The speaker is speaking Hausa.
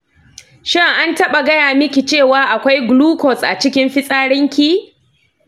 shin an taɓa gaya miki cewa akwai glucose a cikin fitsarinki?